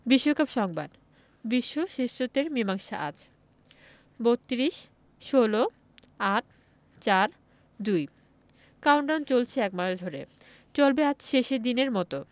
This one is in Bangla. বিশ্বকাপ সংবাদ বিশ্ব শ্রেষ্ঠত্বের মীমাংসা আজ ৩২ ১৬ ৮ ৪ ২ কাউন্টডাউন চলছে এক মাস ধরে চলবে আজ শেষ দিনের মতো